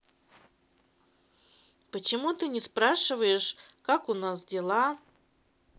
почему ты не спрашиваешь как у нас дела